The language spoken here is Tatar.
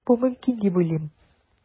Бу мөмкин дип уйлыйм.